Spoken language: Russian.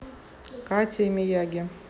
катя и miyagi